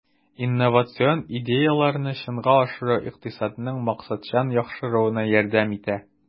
Инновацион идеяләрне чынга ашыру икътисадның максатчан яхшыруына ярдәм итә.